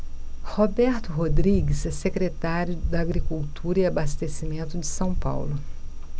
roberto rodrigues é secretário da agricultura e abastecimento de são paulo